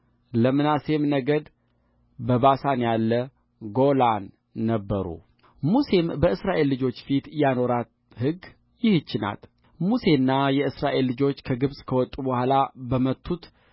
ለምናሴም ነገድ በባሳን ያለ ጎላን ነበሩሙሴም በእስራኤል ልጆች ፊት ያኖራት ሕግ ይህች ናትሙሴና የእስራኤል ልጆች ከግብፅ ከወጡ በኋላ በመቱት